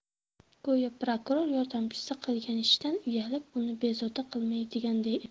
go'yo prokuror yordamchisi qilgan ishidan uyalib uni bezovta qilmaydiganday edi